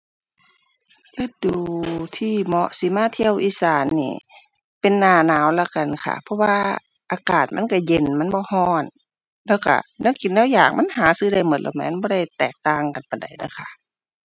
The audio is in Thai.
ฤดูที่เหมาะสิมาเที่ยวอีสานหนิ เป็นหน้าหนาวแล้วกันค่ะ เพราะว่าอากาศมันก็เย็นมันบ่ก็ แล้วก็แนวกินแนวอยากมันหาซื้อได้ก็แล้วแหม มันบ่ได้แตกต่างกันปานใดเด้อค่ะ